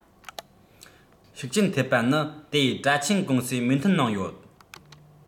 ཤུགས རྐྱེན ཐེབས པ ནི དེ དྲ ཆེན ཀུང སིའི མོས མཐུན གནང ཡོད